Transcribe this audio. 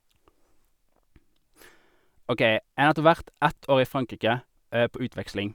OK, jeg har nettopp vært ett år i Frankrike på utveksling.